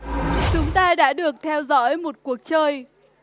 chúng ta đã được theo dõi một cuộc chơi